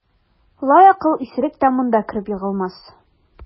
Лаякыл исерек тә монда кереп егылмас.